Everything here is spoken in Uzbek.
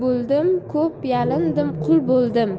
ko'p yalindim qui boidim